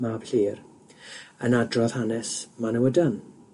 mab Llyr yn adrodd hanes Manawydan